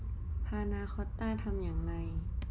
พานาคอตต้าทำอย่างไร